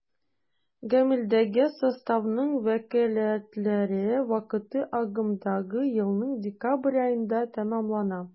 Гамәлдәге составның вәкаләтләре вакыты агымдагы елның декабрь аенда тәмамлана.